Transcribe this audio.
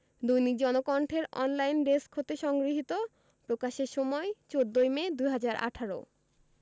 দৈনিক জনকণ্ঠের online desk হতে সংগৃহীত প্রকাশের সময় ১৪ মে ২০১৮